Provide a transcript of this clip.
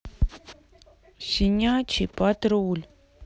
щенячий патруль